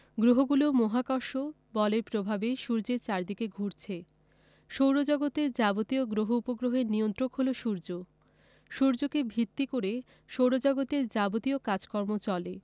গ্রহগুলো মহাকর্ষ বলের প্রভাবে সূর্যের চারদিকে ঘুরছে সৌরজগতের যাবতীয় গ্রহ উপগ্রহের নিয়ন্ত্রক হলো সূর্য সূর্যকে ভিত্তি করে সৌরজগতের যাবতীয় কাজকর্ম চলে